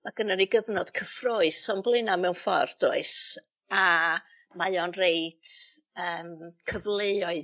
Ma' gynnon ni gyfnod cyffrous o'n blaena' mewn ffor does a mae o'n rhoid yym cyfleoedd